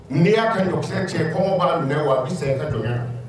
N'i y'a ka ɲɔkisɛ cɛ ko b mɛn wa i bɛ se i ka jɔn